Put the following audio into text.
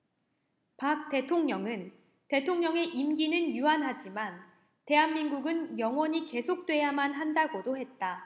박 대통령은 대통령의 임기는 유한하지만 대한민국은 영원히 계속돼야만 한다고도 했다